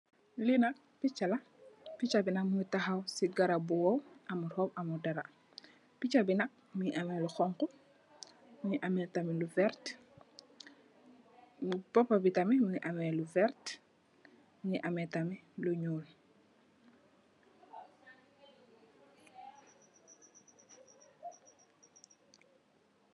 Li nak picha, picha bi nak mungi tahaw ci garab bu waw amut hoop amut dara. Picha bi nak mungi ameh lu honku, mungi ameh tamit lu vert. Boppa bi tamit mungi ameh lu vert, mungi ameh tamit lu ñuul.